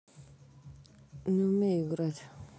не умею играть